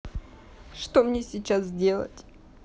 что мне сейчас делать